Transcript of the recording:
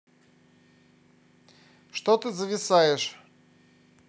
что ты зависаешь